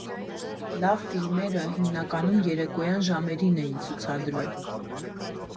Լավ ֆիլմերը հիմնականում երեկոյան ժամերին էին ցուցադրում։